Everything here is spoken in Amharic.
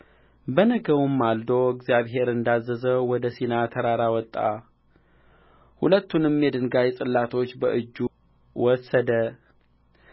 በነጋውም ማልዶ እግዚአብሔር እንዳዘዘው ወደ ሲና ተራራ ወጣ ሁለቱንም የድንጋይ ጽላቶች በእጁ ወሰደ